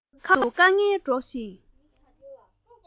ཁ བའི ཁྲོད དུ སྐད ངན སྒྲོག ཅིང